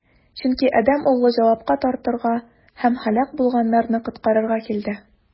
Чөнки Адәм Углы җавапка тартырга һәм һәлак булганнарны коткарырга килде.